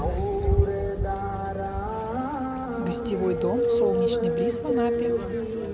гостевой дом солнечный бриз в анапе